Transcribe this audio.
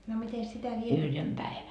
no mitenkäs sitä vietettiin